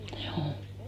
juu